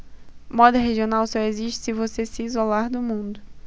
moda regional só existe se você se isolar do mundo